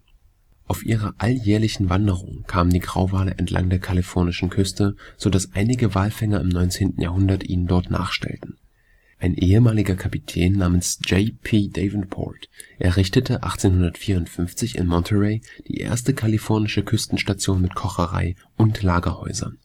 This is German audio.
Auf ihrer alljährlichen Wanderung kamen die Grauwale entlang der kalifornischen Küste, so dass einige Walfänger im 19. Jahrhundert ihnen dort nachstellten. Ein ehemaliger Kapitän namens J. P. Davenport errichtete 1854 in Monterey die erste kalifornische Küstenstation mit Kocherei und Lagerhäusern